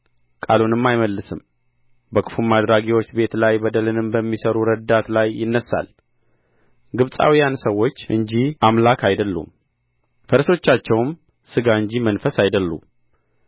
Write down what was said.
ቃሉንም አይመልስም በክፉም አድራጊዎች ቤት ላይ በደልንም በሚሠሩ ረዳት ላይ ይነሣል ግብጻውያን ሰዎች እንጂ አምላክ አይደሉም ፈረሶቻቸውም ሥጋ እንጂ መንፈስ አይደሉም